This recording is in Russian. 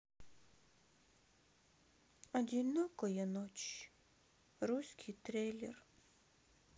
одинокая ночь русский трейлер